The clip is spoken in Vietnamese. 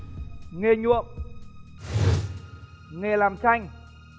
nghề nhuộm nghề làm tranh